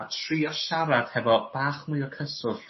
a trio siarad hefo bach mwy o cyswllt